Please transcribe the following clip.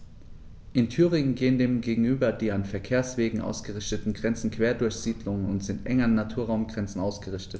In Thüringen gehen dem gegenüber die an Verkehrswegen ausgerichteten Grenzen quer durch Siedlungen und sind eng an Naturraumgrenzen ausgerichtet.